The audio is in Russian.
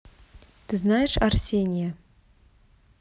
ты знаешь арсения